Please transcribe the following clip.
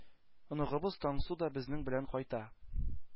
Оныгыбыз таңсу да безнең белән кайта.